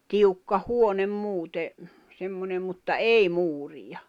tiukka huone muuten semmoinen mutta ei muuria